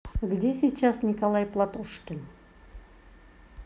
где сейчас николай платошкин